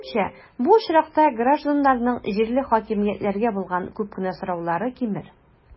Минемчә, бу очракта гражданнарның җирле хакимиятләргә булган күп кенә сораулары кимер.